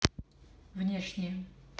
внешнее